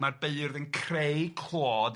ma'r beirdd yn creu clwad ia.